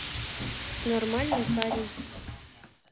нормальный день